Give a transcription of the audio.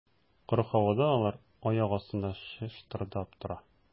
Коры һавада алар аяк астында чыштырдап тора.